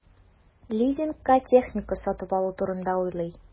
Лизингка техника сатып алу турында уйлый.